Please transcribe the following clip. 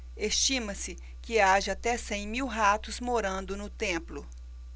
estima-se que haja até cem mil ratos morando no templo